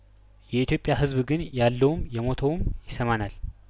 የኢትዮጵያ ህዝብ ግን ያለውም የሞተውም ይሰማናል